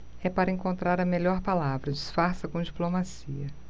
é para encontrar a melhor palavra disfarça com diplomacia